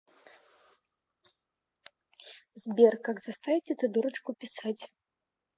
сбер как заставить эту дурочку писать